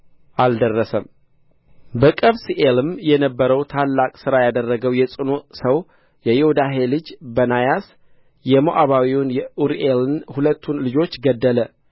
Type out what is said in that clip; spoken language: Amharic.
አልደረሰም በቀብስኤልም የነበረው ታላቅ ሥራ ያደረገው የጽኑዕ ሰው የዮዳሄ ልጅ በናያስ የሞዓባዊን የአሪኤል ሁለቱን ልጆች ገደለ